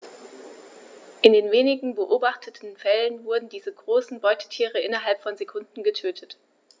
In den wenigen beobachteten Fällen wurden diese großen Beutetiere innerhalb von Sekunden getötet.